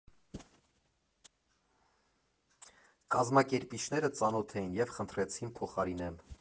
Կազմակերպիչները ծանոթ էին և խնդրեցին փոխարինեմ։